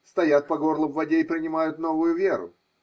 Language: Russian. Стоят по горло в воде и принимают новую веру.